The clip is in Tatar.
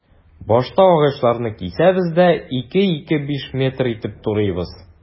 Башта агачларны кисәбез дә, 2-2,5 метр итеп турыйбыз.